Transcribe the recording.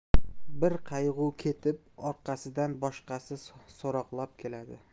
bir qayg'u ketib orqasidan boshqasi so'roqlab keldi